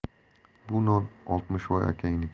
bu non oltmishvoy akangniki